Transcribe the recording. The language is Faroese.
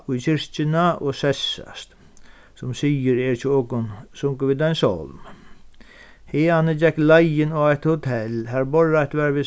í kirkjuna og sessast sum siður er hjá okum sungu vit ein sálm hiðani gekk leiðin á eitt hotell har borðreitt var við